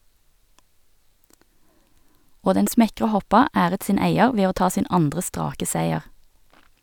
Og den smekre hoppa æret sin eier ved å ta sin andre strake seier.